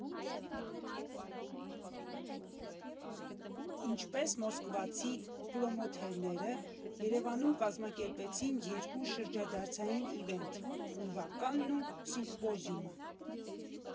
Ինչպես մոսկվացի պրոմոթերները Երևանում կազմակերպեցին երկու շրջադարձային իվենթ՝ Ուրվականն ու Սինթպոզիումը։